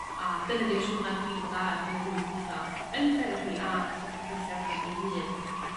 A dyna 'di'r siwrna dwi 'di bod ar yn y flwyddyn dwitha yn therapi a t'od wedi yn gweithio arno fo fi'n hun.